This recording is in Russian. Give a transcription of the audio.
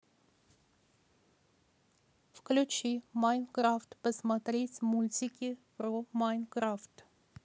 включи майнкрафт посмотреть мультики про майнкрафт